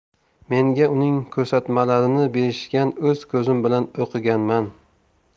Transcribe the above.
menga uning ko'rsatmalarini berishgan o'z ko'zim bilan o'qiganman